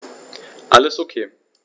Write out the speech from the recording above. Alles OK.